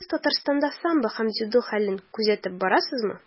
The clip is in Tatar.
Сез Татарстанда самбо һәм дзюдо хәлен күзәтеп барасызмы?